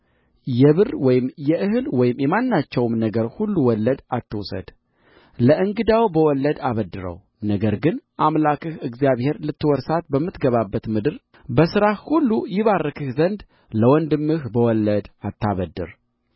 የብር ወይም የእህል ወይም የማናቸውንም ነገር ሁሉ ወለድ አትውሰድ ለእንግዳው በወለድ አበድረው ነገር ግን አምላክህ እግዚአብሔር ልትወርሳት በምትገባባት ምድር በሥራህ ሁሉ ይባርክህ ዘንድ ለወንድምህ በወለድ አታበድር